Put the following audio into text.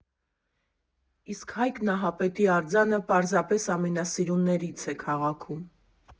Իսկ Հայկ Նահապետի արձանը պարզապես ամենասիրուններից է քաղաքում։